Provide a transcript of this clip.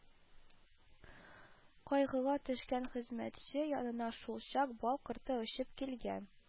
Кайгыга төшкән хезмәтче янына шулчак Бал корты очып килгән